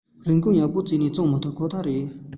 རིན གོང ཡག པོ བྱེད ནས བཙོང མི ཐུབ ཁོ ཐག རེད